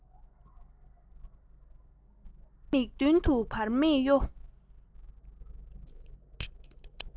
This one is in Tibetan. ངའི མིག མདུན དུ བར མེད གཡོ